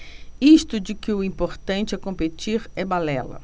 isso de que o importante é competir é balela